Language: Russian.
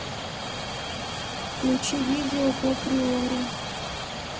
включи видео по приоре